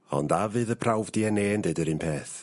Ond a fydd y prawf Dee En Ay yn deud yr un peth?